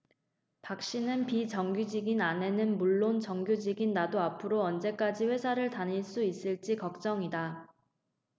박씨는 비정규직인 아내는 물론 정규직인 나도 앞으로 언제까지 회사를 다닐 수 있을지 걱정이다